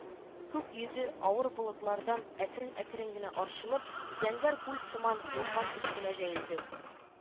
Күк йөзе, авыр болытлардан әкрен-әкрен генә арчылып, зәңгәр күл сыман, урман өстенә җәелде